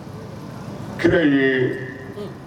Ki ye ye